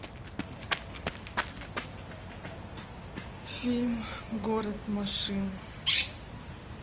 фильм город машин